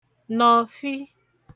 nọ̀fi